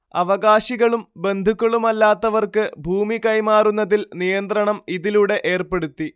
അവകാശികളും ബന്ധുക്കളുമല്ലാത്തവർക്ക് ഭൂമി കൈമാറുന്നതിൽ നിയന്ത്രണം ഇതിലൂടെ ഏർപ്പെടുത്തി